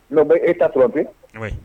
Mɛ e tatura bi